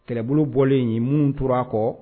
Kɛlɛbolo bɔlen ye minnu tora a kɔ